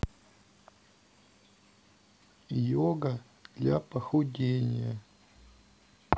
йога для похудения